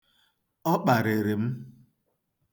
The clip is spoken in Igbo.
Ọ kparịrị m.